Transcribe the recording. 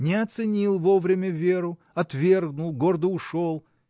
Не оценил вовремя Веру, отвергнул, гордо ушел.